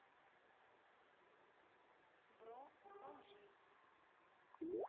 бро бомжи